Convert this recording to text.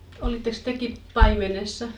olittekos tekin paimenessa